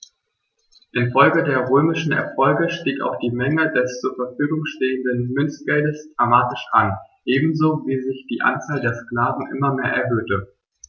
Infolge der römischen Erfolge stieg auch die Menge des zur Verfügung stehenden Münzgeldes dramatisch an, ebenso wie sich die Anzahl der Sklaven immer mehr erhöhte.